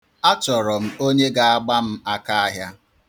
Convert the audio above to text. A chọrọ m onye ga-agba m akaahịa.